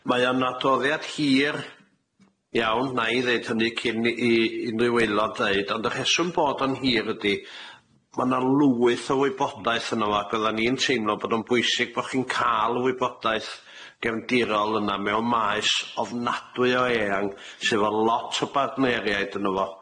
Mae o'n adroddiad hir iawn nâi ddeud hynny cyn i i unrhyw aelod deud ond y rheswm bod o'n hir ydi ma' 'na lwyth o wybodaeth yno fo ag fyddan ni'n teimlo bod o'n bwysig bo' chi'n ca'l y wybodaeth gefndirol yna mewn maes ofnadwy o eang sydd 'fo lot o bartneiriaid yno fo.